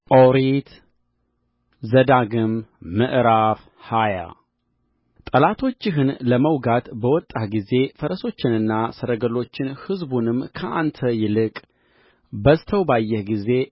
ኦሪት ዘዳግም ምዕራፍ ሃያ ጠላቶችህን ለመውጋት በወጣህ ጊዜ ፈረሶችንና ሰረገሎችን ሕዝቡንም ከአንተ ይልቅ በዝተው ባየህ ጊዜ ከግብፅ አገር ያወጣህ